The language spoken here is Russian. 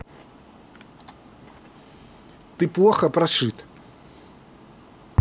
ты плохо прошит